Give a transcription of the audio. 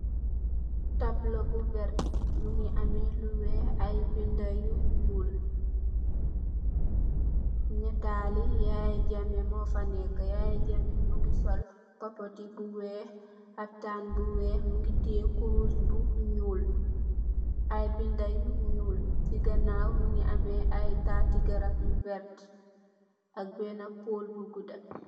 Tableau bu vertue, mungy ameh lu wekh aiiy binda yu njull, naatali yaya jammeh mofa neka, yaya jammeh mungy sol copoti bu wekh, khaftan bu wekh, mungy tiyeh kuruss bu njull, aiiy binda yu njull, cii ganaw mungy ameh aiiy taati garab yu vert, ak benah pol bu gudah.